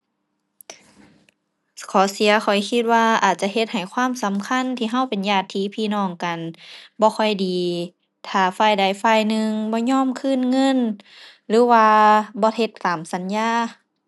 ข้อเสียข้อยคิดว่าอาจจะเฮ็ดให้ความสำคัญที่เราเป็นญาติพี่น้องกันบ่ค่อยดี ถ้าฝ่ายใดฝ่ายหนึ่งบ่ยอมคืนเงิน หรือว่าบ่เฮ็ดตามสัญญา